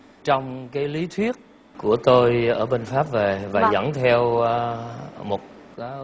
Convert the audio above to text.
trong cái lý thuyết của tôi ở bên pháp về và dẫn theo một